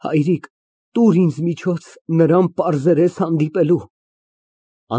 Հայրիկ, տուր ինձ միջոց նրան պարզերես հանդիպելու։